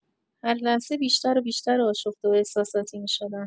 هر لحظه بیشتر و بیشتر آشفته و احساساتی می‌شدم.